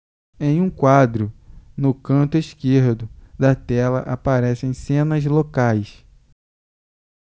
em um quadro no canto esquerdo da tela aparecem cenas locais